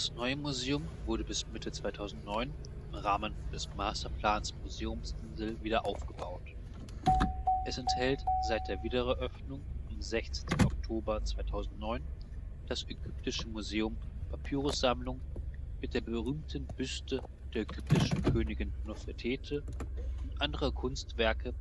Neue Museum wurde bis Mitte 2009 im Rahmen des Masterplans Museumsinsel wiederaufgebaut. Es enthält seit der Wiedereröffnung am 16. Oktober 2009 das Ägyptische Museum und Papyrussammlung mit der berühmten Büste der ägyptischen Königin Nofretete und andere Kunstwerke